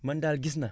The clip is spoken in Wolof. mal daal gis naa